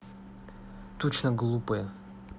точно глупая